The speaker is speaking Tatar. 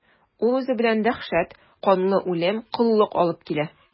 Ул үзе белән дәһшәт, канлы үлем, коллык алып килә.